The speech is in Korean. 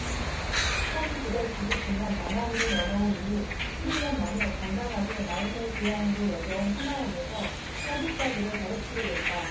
천 구백 구십 구 년 남한으로 넘어온 이후 십 일 년 만에 당당하게 마음의 고향으로 여겨온 하나원에서 탈북자들을 가르치게 됐다